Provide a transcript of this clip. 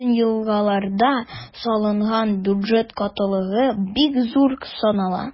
Бөтен елларга салынган бюджет кытлыгы бик зур санала.